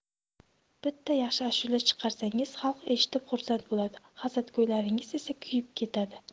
bitta yaxshi ashula chiqarsangiz xalq eshitib xursand bo'ladi hasadgo'ylaringiz esa kuyib ketadi